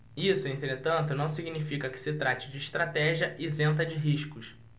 isso entretanto não significa que se trate de estratégia isenta de riscos